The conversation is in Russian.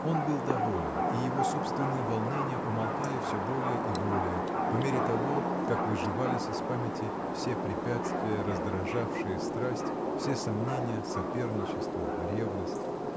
Он был доволен, и его собственные волнения умолкали всё более и более, по мере того как выживались из памяти все препятствия, раздражавшие страсть, все сомнения, соперничество, ревность.